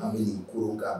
An bɛurun kan